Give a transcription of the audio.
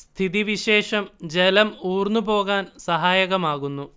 സ്ഥിതിവിശേഷം ജലം ഊർന്നു പോകാൻ സഹായകമാകുന്നു